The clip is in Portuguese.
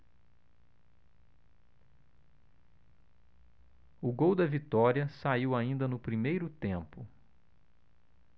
o gol da vitória saiu ainda no primeiro tempo